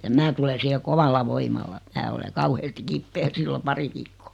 ja minä tulen siihen kovalla voimalla minä olen kauheasti kipeä silloin pari viikkoa